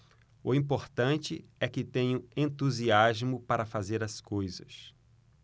o importante é que tenho entusiasmo para fazer as coisas